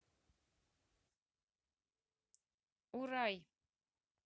урай